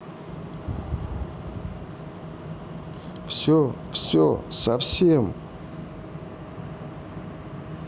все все совсем